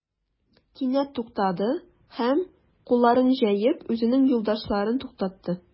Кинәт туктады һәм, кулларын җәеп, үзенең юлдашларын туктатты.